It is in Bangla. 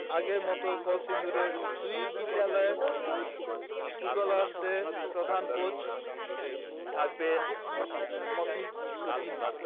আগের মতো কলসিন্দুরের দুই বিদ্যালয়ের ফুটবলারদের প্রধান কোচ থাকবেন মফিজ উদ্দিনই